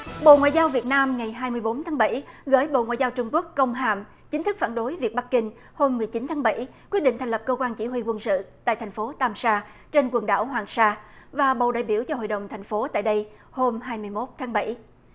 bộ ngoại giao việt nam ngày hai mươi bốn tháng bảy gửi bộ ngoại giao trung quốc công hàm chính thức phản đối việc bắc kinh hôm mười chín tháng bảy quyết định thành lập cơ quan chỉ huy quân sự tại thành phố tam sa trên quần đảo hoàng sa và bầu đại biểu cho hội đồng thành phố tại đây hôm hai mươi mốt tháng bảy